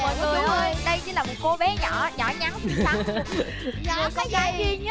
mọi người ơi đây chỉ là một cô bé nhỏ nhỏ nhắn xinh xắn một cô gái duy nhất